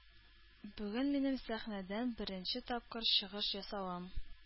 Бүген минем сәхнәдән беренче тапкыр чыгыш ясавым.